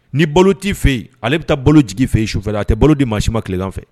Ni balo t tɛi fɛ yen ale bɛ taa balo jigi fɛ yen sufɛ a tɛ bolo di maa sima tilegan fɛ